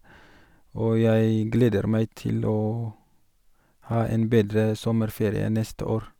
Og jeg gleder meg til å ha en bedre sommerferie neste år.